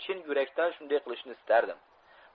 chin yurakdan shunday qilishni istardim